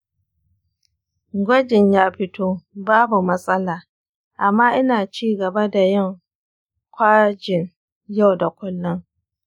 kwajin ya fito babu matsala amma ina cigaba da yin kwajin yau da kullum.